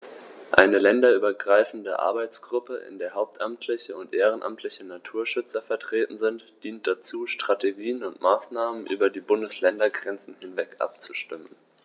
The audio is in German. Eine länderübergreifende Arbeitsgruppe, in der hauptamtliche und ehrenamtliche Naturschützer vertreten sind, dient dazu, Strategien und Maßnahmen über die Bundesländergrenzen hinweg abzustimmen.